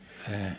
en